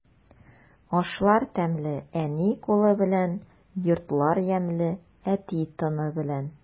Ашлар тәмле әни кулы белән, йортлар ямьле әти тыны белән.